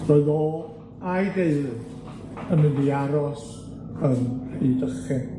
Roedd o a'i deulu yn mynd i aros yn Rhydychen.